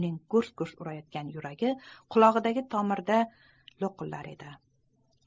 uning gurs gurs urayotgan yuragi qulog'idagi tomirda lo'qillar edi